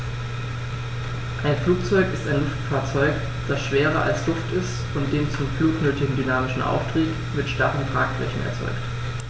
Ein Flugzeug ist ein Luftfahrzeug, das schwerer als Luft ist und den zum Flug nötigen dynamischen Auftrieb mit starren Tragflächen erzeugt.